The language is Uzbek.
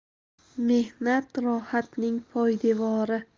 mehnat rohatning poydevori